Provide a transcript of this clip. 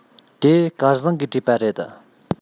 དེ སྐལ བཟང གིས བྲིས པ རེད